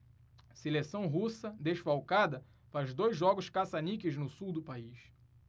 seleção russa desfalcada faz dois jogos caça-níqueis no sul do país